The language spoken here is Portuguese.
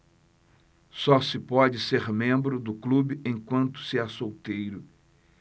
só se pode ser membro do clube enquanto se é solteiro